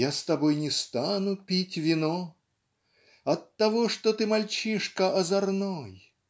Я с тобой не стану пить вино, Оттого, что ты - мальчишка озорной.